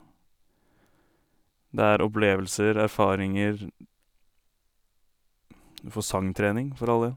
Det er opplevelser, erfaringer, du får sangtrening, for all del.